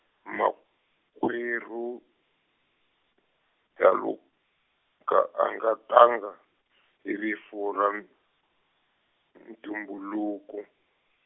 makwerhu Dilika a nga tanga hi rifu ra ntumbuluko.